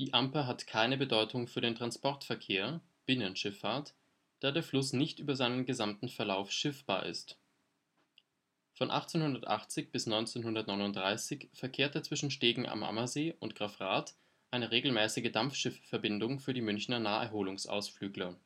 Amper hat keine Bedeutung für den Transportverkehr (Binnenschifffahrt), da der Fluss nicht über seinen gesamten Verlauf schiffbar ist. Von 1880 bis 1939 verkehrte zwischen Stegen am Ammersee und Grafrath eine regelmäßige Dampfschiffverbindung für die Münchner Naherholungsausflügler